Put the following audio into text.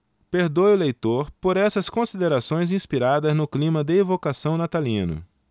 perdoe o leitor por essas considerações inspiradas no clima de evocação natalino